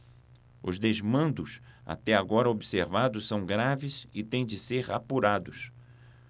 os desmandos até agora observados são graves e têm de ser apurados